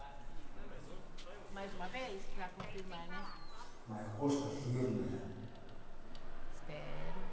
моя кошка жирная